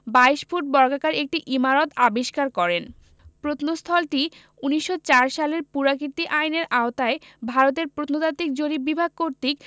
২২ foot বর্গাকার একটি ইমারত আবিষ্কার করেন প্রত্নস্থলটি ১৯০৪ সালের পুরাকীর্তি আইনের আওতায় ভারতের প্রত্নতাত্ত্বিক জরিপ বিভাগ কর্তৃক